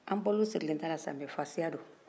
an balo sirilen tɛ a la sa mɛ fasiya do